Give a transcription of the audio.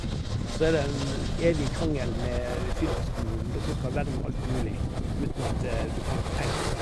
Så er det en en evig krangel med Fylkeskommunen, da, som skal verne alt mulig uten at du får noe penger for det.